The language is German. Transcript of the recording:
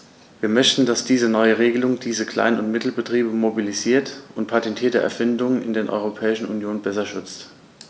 Wir möchten, dass diese neue Regelung diese Klein- und Mittelbetriebe mobilisiert und patentierte Erfindungen in der Europäischen Union besser schützt.